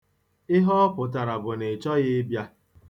Ihe ọ pụtara bụ na ị chọghị ịbịa.